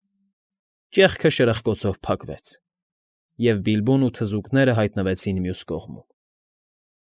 Ճեղքը շրխկոցով փակվեց, և Բիլբոն ու թզուկները հայտնվեցին մյուս կողմում։